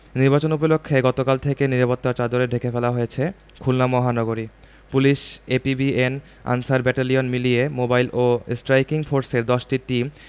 নির্বাচন উপলক্ষে গতকাল থেকে নিরাপত্তার চাদরে ঢেকে ফেলা হয়েছে খুলনা মহানগরী পুলিশ এপিবিএন আনসার ব্যাটালিয়ন মিলিয়ে মোবাইল ও স্ট্রাইকিং ফোর্সের ১০টি টিম